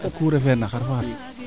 ku refeerna xar fo xar